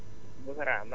waa Bouchra